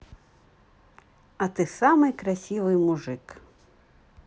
и ты самый красивый мужик